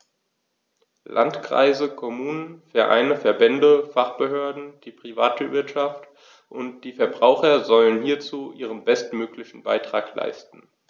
Landkreise, Kommunen, Vereine, Verbände, Fachbehörden, die Privatwirtschaft und die Verbraucher sollen hierzu ihren bestmöglichen Beitrag leisten.